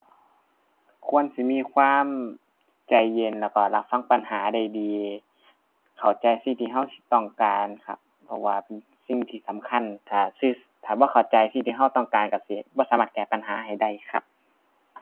ควรสิมีความใจเย็นแล้วก็รับฟังปัญหาได้ดี เข้าใจสิ่งที่ก็สิต้องการครับ เพราะว่าสิ่งที่สำคัญถ้าสื่อ ถ้าบ่เข้าใจสิ่งที่ก็ต้องการก็สิบ่สามารถแก้ปัญหาให้ได้ครับ